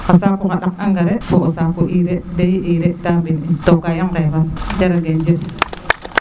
xa saaku xaɗank engrais fo o saaku urée te i urée ta mbin in to kaga yake ran jërëgen jëf